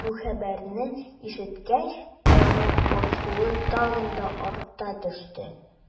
Бу хәбәрне ишеткәч, аларның борчуы тагы да арта төште.